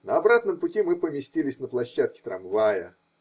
На обратном пути мы поместились на площадке трамвая